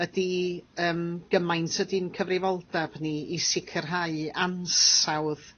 ydi yym gymaint ydy'n cyfrifoldab ni i sicrhau ansawdd